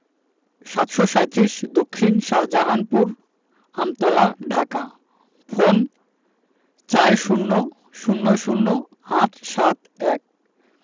৭৩৭ দক্ষিন শাহজাহানপুর আমতলা ঢাকা ফোনঃ ৪০০০৮৭১